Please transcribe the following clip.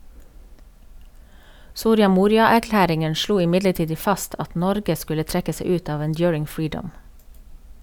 Soria Moria-erklæringen slo imidlertid fast at Norge skulle trekke seg ut av Enduring Freedom.